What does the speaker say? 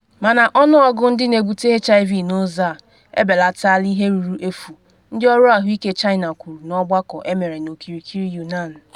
Mana ọnụọgụ ndị na-ebute HIV n’ụzọ a, ebelatala ihe ruru efu, ndị ọrụ ahụike China kwuru n’ọgbakọ emere n’okirikiri Yunnan.